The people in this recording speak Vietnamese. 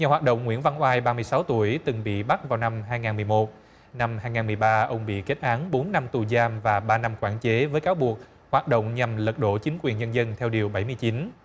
nhà hoạt động nguyễn văn oai ba mươi sáu tuổi từng bị bắt vào năm hai ngàn mười một năm hai ngàn mười ba ông bị kết án bốn năm tù giam và ba năm quản chế với cáo buộc hoạt động nhằm lật đổ chính quyền nhân dân theo điều bảy mươi chín